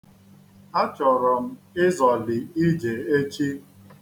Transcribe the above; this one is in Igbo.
Achọrọ m ịzọli ije echi.